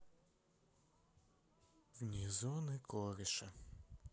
вне зоны кореша